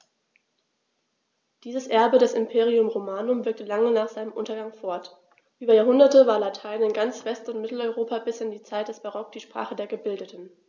Dieses Erbe des Imperium Romanum wirkte lange nach seinem Untergang fort: Über Jahrhunderte war Latein in ganz West- und Mitteleuropa bis in die Zeit des Barock die Sprache der Gebildeten.